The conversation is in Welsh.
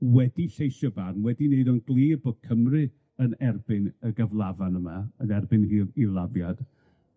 wedi lleisio barn, wedi neud o'n glir bod Cymru yn erbyn y gyflafan yma, yn erbyn hil- hil-laddiad